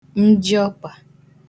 njiọkpà